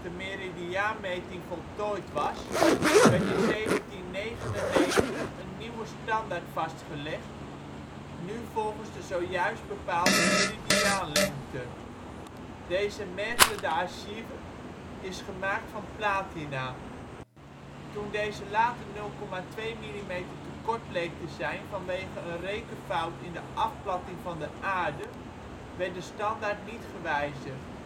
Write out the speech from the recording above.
meridiaanmeting voltooid was werd in 1799 een nieuwe standaard vastgelegd, nu volgens de zojuist bepaalde meridiaanlengte. Deze " mètre des Archives " is gemaakt van platina. Toen deze later 0,2 mm te kort bleek te zijn vanwege een rekenfout in de afplatting van de aarde werd de standaard niet gewijzigd